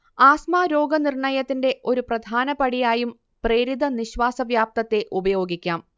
asthma രോഗനിർണയത്തിന്റെ ഒരു പ്രധാന പടിയായും പ്രേരിത നിശ്വാസ വ്യാപ്തത്തെ ഉപയോഗിക്കാം